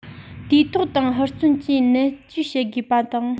དུས ཐོག དང ཧུར བརྩོན གྱིས ནད བཅོས བྱེད དགོས པ དང